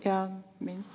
ja minst.